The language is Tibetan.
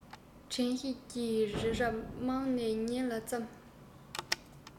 དྲན ཤེས ཀྱི རི རབ རྨང ནས ཉིལ ལ བརྩམས